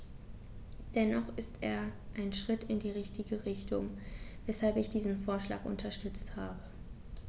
Dennoch ist er ein Schritt in die richtige Richtung, weshalb ich diesen Vorschlag unterstützt habe.